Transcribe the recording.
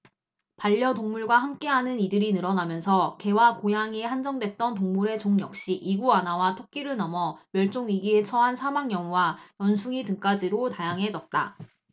반려동물과 함께 하는 이들이 늘어나면서 개와 고양이에 한정됐던 동물의 종 역시 이구아나와 토끼를 넘어 멸종위기에 처한 사막여우와 원숭이 등까지로 다양해졌다